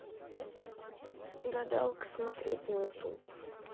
гадалка смотреть на ютуб